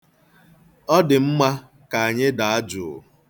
Ọ dị mma ka anyị daa jụụ.